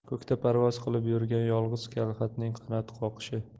ko'kda parvoz qilib yurgan yolg'iz kalxatning qanot qoqishi